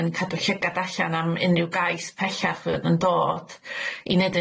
yn cadw llygad allan am unryw gais pellach fydd yn dod i neud